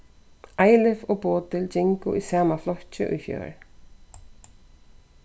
eilif og bodil gingu í sama flokki í fjør